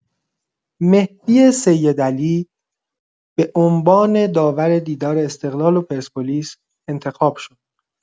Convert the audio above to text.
مهدی سیدعلی به عنوان داور دیدار استقلال و پرسپولیس انتخاب شد.